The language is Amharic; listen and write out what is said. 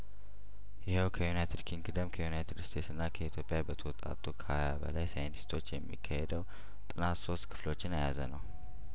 ይኸው ከዩናይትድ ኪንግ ደም ከዩናይትድ ስቴትስና ከኢትዮጵያ በተውጣጡ ከሀያ በላይ ሳይንቲስቶች የሚካሄደው ጥናት ሶስት ክፍሎችን የያዘ ነው